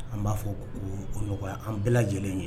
An b'a fɔ ko o nɔgɔya an bɛɛ lajɛlen ye